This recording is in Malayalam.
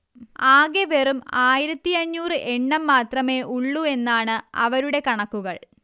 ആകെ വെറും ആയിരത്തിയഞ്ഞൂറ് എണ്ണം മാത്രമേ ഉള്ളൂ എന്നാണ് അവരുടെ കണക്കുകൾ